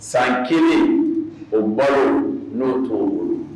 San kelen o balo n'o t o bolo